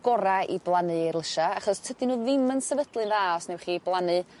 gora i blannu eirlysia achos tydyn n'w ddim yn sefydlu'n dda os newch chi blannu